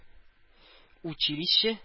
Училище